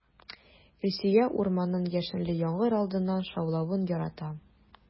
Илсөя урманның яшенле яңгыр алдыннан шаулавын ярата.